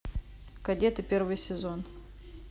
кадеты первый сезон